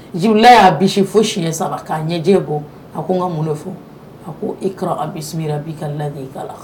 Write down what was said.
Jibirila ya bisi fo siɲɛ 3 ka ɲɛjɛ bɔ a ko n ka mun de fɔ? a ko